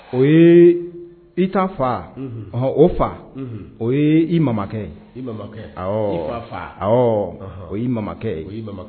O yee i ta fa. Unhun. Ɔnhɔn o fa. Unhun. O yee i mamakɛ ye. i mamakɛ ? Awɔɔ. I fa fa. Awɔɔ. Ɔhɔɔn. O y'i mamakɛ ye. I mama